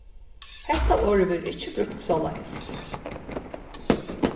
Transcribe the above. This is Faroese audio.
hetta orðið verður ikki brúkt soleiðis